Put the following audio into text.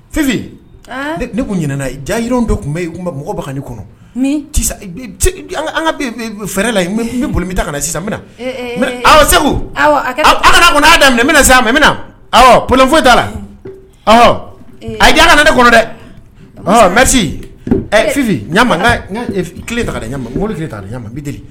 Fifin ne tun ɲ jayi dɔ tun bɛ yen tun bɛ mɔgɔ bagani kɔnɔ fɛrɛɛrɛ la bɛ boli bɛ ta ka na sisan min na mɛ aw segu n'a daminɛ samina na p foyi da la ɔ a diya ka ne kɔnɔ dɛ mɛti ɛ fifin ɲa tile ta ɲa ta taa ɲama bɛ